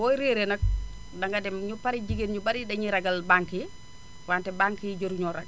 boo réeree nag danga dem ñu bari jigéen ñu bari dañuy ragal banque yi wante banque yi jaruñoo ragal